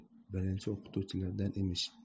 birinchi o'qituvchilardan emish